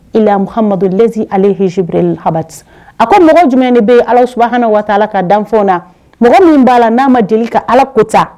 Madu z aleh hzsibl habati a ko mɔgɔ jumɛn de bɛ ala su ha waati la ka danfa na mɔgɔ min b'a la n'a ma deli ka ala kota